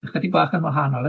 ychydig bach yn wahanol.